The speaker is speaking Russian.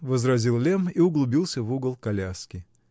-- возразил Лемм и углубился в угол коляски.